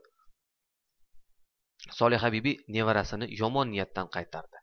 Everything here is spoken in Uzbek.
solihabibi nevarasini yomon niyatidan qaytardi